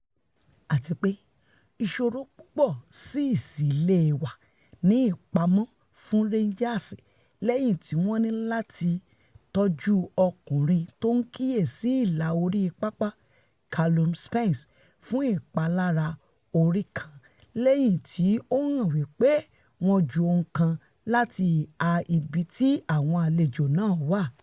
Àtipé ìṣòro púpọ̀ síi sì leè wà ní ìpamọ́ fún Rangers lẹ́yìn tí wọ́n níláti tójú ọkùnrin tó ńkíyèsí ìlà orí-pápá Calum Spence fún ìpalára orí kan lẹ́yìn tí ó hàn wí pé wọn ju ohun kan láti ìhà ibiti àwọn àlejò náà wà.